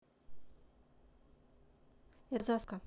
это заставка